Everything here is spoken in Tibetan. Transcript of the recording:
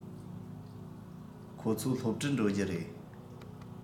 ཁོ ཚོ སློབ གྲྭར འགྲོ རྒྱུ རེད